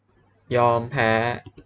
ยอมแพ้